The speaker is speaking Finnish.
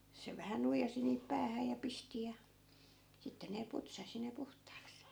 se vähän nuijasi niin päähän ja pisti ja sitten ne putsasi ne puhtaaksi